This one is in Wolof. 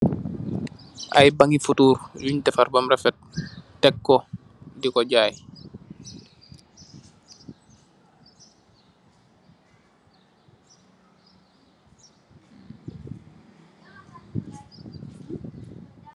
Ay bangi fotorr yu dèffar bam rafet tekkó diko jay.